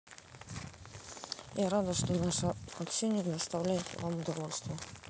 я рада что наше общение доставляет вам удовольствие